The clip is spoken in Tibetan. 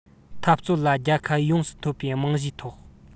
འཐབ རྩོད ལ རྒྱལ ཁ ཡོངས སུ ཐོབ པའི རྨང གཞིའི ཐོག